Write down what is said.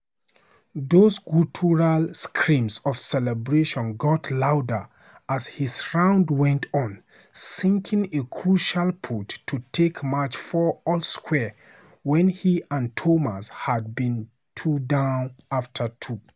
Those guttural screams of celebration got louder as his round went on, sinking a crucial putt to take match four all-square when he and Thomas had been two down after two.